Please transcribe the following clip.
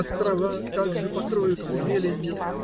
Острова также покроются зеленью.